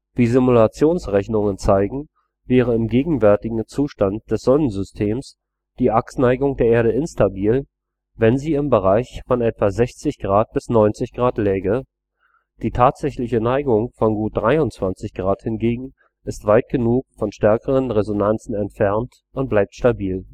Wie Simulationsrechnungen zeigen, wäre im gegenwärtigen Zustand des Sonnensystems die Achsneigung der Erde instabil, wenn sie im Bereich von etwa 60° bis 90° läge; die tatsächliche Neigung von gut 23° hingegen ist weit genug von starken Resonanzen entfernt und bleibt stabil